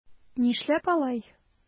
Нишләп алай?